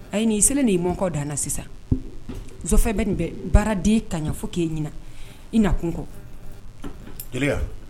Ayi ni y'i selen de ye Bamakɔ dan na sisan Nsɔfɛ bɛ nin bɛ baarad'i kan ɲa fɔ k'e ɲina i na kun kɔ Jelika